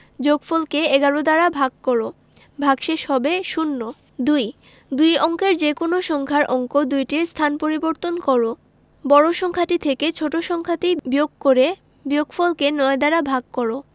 যোগফল কে ১১ দ্বারা ভাগ কর ভাগশেষ হবে শূন্য ২ দুই অঙ্কের যেকোনো সংখ্যার অঙ্ক দুইটির স্থান পরিবর্তন কর বড় সংখ্যাটি থেকে ছোট ছোট সংখ্যাটি বিয়োগ করে বিয়োগফলকে ৯ দ্বারা ভাগ দাও